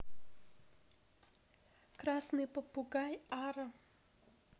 красный попугай ара